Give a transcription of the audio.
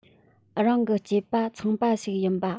རང གི སྐྱེས པ ཚོང པ ཞིག ཡིན པ